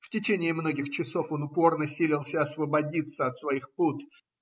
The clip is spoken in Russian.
В течение многих часов он упорно силился освободиться от своих пут.